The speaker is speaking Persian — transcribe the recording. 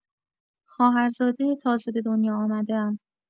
خواهرزاده تازه به دنیا آمده‌ام